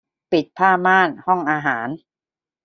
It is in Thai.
ปิดผ้าม่านห้องอาหาร